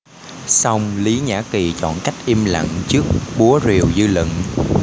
song lý nhã kỳ chọn cách im lặng trước búa rìu dư luận